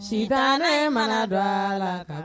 Si kana ne mana dɔgɔ la